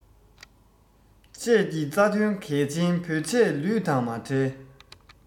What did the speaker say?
བཅས ཀྱི རྩ དོན གལ ཆེན བོད ཆས ལུས དང མ བྲལ